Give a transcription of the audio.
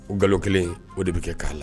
O nkalon kelen in o de bɛ kɛ ka